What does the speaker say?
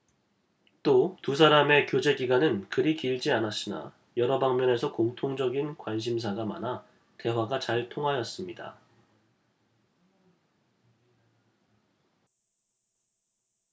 또 두 사람의 교제기간은 그리 길지 않았으나 여러 방면에서 공통적인 관심사가 많아 대화가 잘 통하였습니다